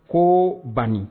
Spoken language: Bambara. Kooo bani